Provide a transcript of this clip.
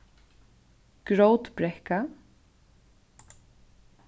grótbrekka